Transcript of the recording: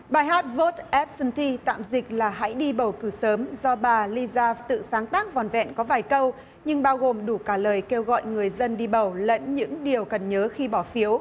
bài hát vốt ép sừn ty tạm dịch là hãy đi bầu cử sớm do bà li da tự sáng tác vỏn vẹn có vài câu nhưng bao gồm đủ cả lời kêu gọi người dân đi bầu lẫn những điều cần nhớ khi bỏ phiếu